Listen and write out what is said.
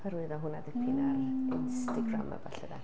Hyrwyddo hwnna dipyn ar Instagram a ballu de.